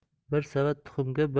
bir savat tuxumga